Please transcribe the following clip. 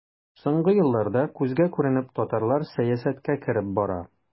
Соңгы елларда күзгә күренеп татарлар сәясәткә кереп бара.